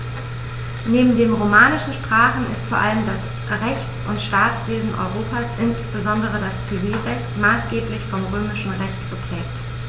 Neben den romanischen Sprachen ist vor allem das Rechts- und Staatswesen Europas, insbesondere das Zivilrecht, maßgeblich vom Römischen Recht geprägt.